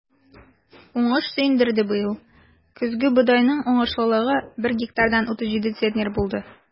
Уңыш сөендерде быел: көзге бодайның уңышлылыгы бер гектардан 37 центнер булды.